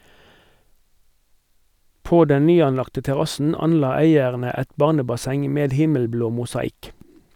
På den nyanlagte terrassen anla eierne et barnebasseng med himmelblå mosaikk.